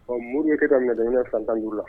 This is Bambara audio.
Ɔ mori bɛ kɛ ka nɛgɛminɛ san tanuru la